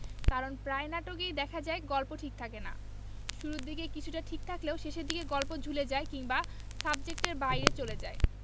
কারণ প্রায় নাটকেই দেখা যায় গল্প ঠিক থাকে না শুরুর দিকে কিছুটা ঠিক থাকলেও শেষের দিকে গল্প ঝুলে যায় কিংবা সাবজেক্টের বাইরে চলে যায়